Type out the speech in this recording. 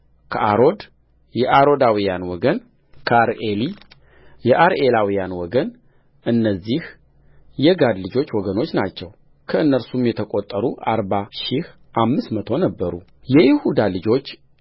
ከአሮድ የአሮዳውያን ወገን ከአርኤሊ የአርኤላውያን ወገንእነዚህ የጋድ ልጆች ወገኖች ናቸው ከእነርሱም የተቈጠሩት አርባ ሺህ አምስት መቶ ነበሩየይሁዳ ልጆች